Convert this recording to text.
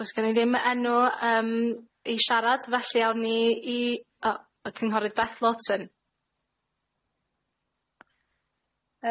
Does gen i ddim enw yym i siarad felly awn ni i yy y cynghorydd Beth Lawton.